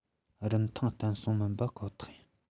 རིན ཐང བརྟན སྲུང མིན པ ཁོ ཐག ཡིན